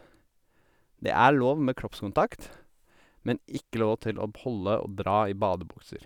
Det er lov med kroppskontakt, men ikke lov til å p holde og dra i badebukser.